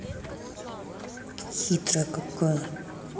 хитрая какая